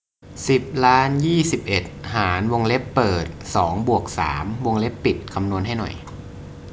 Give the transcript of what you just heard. สิบล้านยี่สิบเอ็ดหารวงเล็บเปิดสองบวกสามวงเล็บปิดคำนวณให้หน่อย